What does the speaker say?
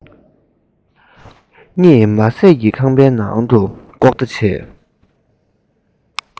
གཉིད མ སད ཀྱིས ཁང པའི ནང དུ ལྐོག ལྟ བྱས